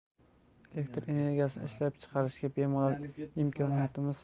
elektr energiyasini ishlab chiqarishga bemalol imkoniyatimiz